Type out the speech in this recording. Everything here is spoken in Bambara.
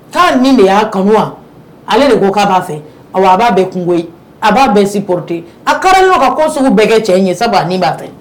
Ka min de y'a kan wa ale de ko k'a b'a fɛ a b'a bɛ kungogo a b'a bɛ siporote a ka ɲɔgɔn ka koso bɛɛkɛ cɛ ye saba ni b'a fɛ